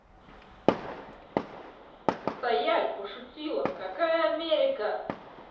стоять пошутила какая америка